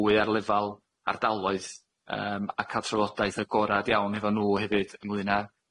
fwy ar lefal ardaloedd yym a ca'l trafodaeth agorad iawn efo n'w hefyd ynglŷn â